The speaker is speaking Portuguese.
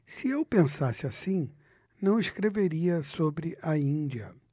se eu pensasse assim não escreveria sobre a índia